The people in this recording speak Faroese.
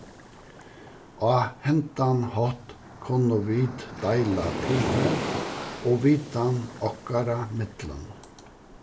á hendan hátt kunnu vit deila tilfar og vitan okkara millum